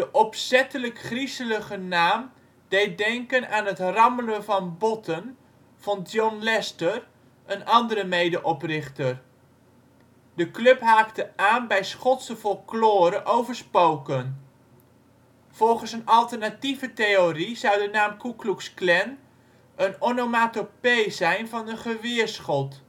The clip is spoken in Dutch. opzettelijk griezelige naam deed denken aan het rammelen van botten, vond John Lester, een andere medeoprichter. De club haakte aan bij Schotse folklore over spoken. Volgens een alternatieve theorie zou de naam Ku Klux Klan een onomatopee zijn van een geweerschot. De